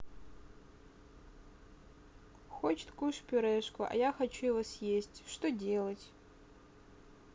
хочет кушать пюрешку а я хочу его съесть что делать